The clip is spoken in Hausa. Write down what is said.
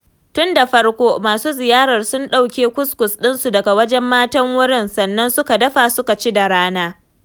Tun da farko masu ziyarar sun ɗauke kuskus ɗinsu daga wajen matan wurin sannan suka dafa, suka ci da rana.